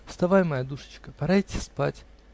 -- Вставай, моя душечка: пора идти спать.